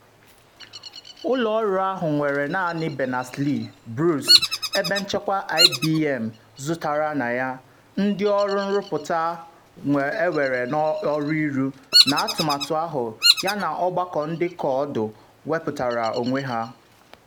Ụlọ ọrụ ahụ nwere naanị Berners-Lee, Bruce, ebe nchekwa IBM zụtara na ya, ndị ọrụ nrụpụta ewere n’ọrụ ịrụ n’atụmatụ ahụ yana ọgbakọ ndị koodu wepụtara onwe ha.